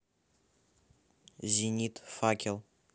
зенит факел